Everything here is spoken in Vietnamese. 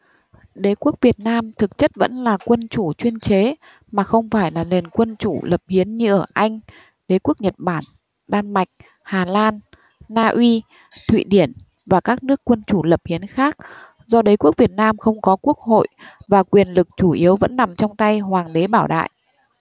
đế quốc việt nam thực chất vẫn là quân chủ chuyên chế mà không phải nền quân chủ lập hiến như ở anh đế quốc nhật bản đan mạch hà lan na uy thụy điển và các nước quân chủ lập hiến khác do đế quốc việt nam không có quốc hội và quyền lực chủ yếu vẫn nằm trong tay hoàng đế bảo đại